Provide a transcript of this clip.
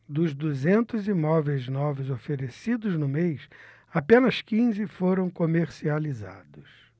dos duzentos imóveis novos oferecidos no mês apenas quinze foram comercializados